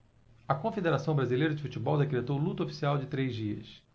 a confederação brasileira de futebol decretou luto oficial de três dias